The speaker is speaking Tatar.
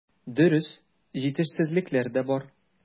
Дөрес, җитешсезлекләр дә бар.